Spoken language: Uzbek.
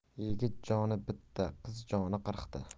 yigit joni bitta qiz joni qirqta